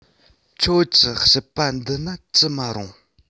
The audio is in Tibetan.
ཁྱོད ཀྱིས བྱིས པ འདི ན ཅི མ རུང